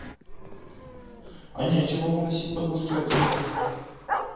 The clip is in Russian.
а нечего уносить подушки отсюда